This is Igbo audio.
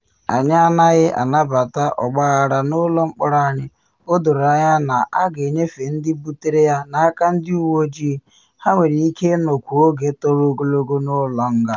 Anyị anaghị anabata ọgbaghara n’ụlọ mkpọrọ anyị, o doro anya na aga enyefe ndị butere ya n’aka ndị uwe oji, ha nwere ike ịnọkwu oge toro ogologo n’ụlọ nga.’